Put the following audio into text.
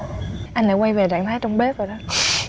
anh lại quay về trạng thái trong bếp rồi đó